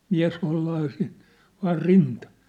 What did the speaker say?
mies hollaa sinne vain rintaan